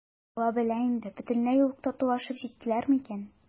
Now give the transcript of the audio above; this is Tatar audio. «алла белә инде, бөтенләй үк татулашып җиттеләрме икән?»